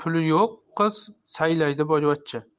yo'q qiz saylaydi boyvachcha